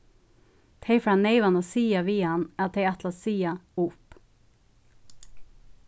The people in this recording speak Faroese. tey fara neyvan at siga við hann at tey ætla at siga upp